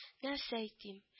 - нәрсә әйтим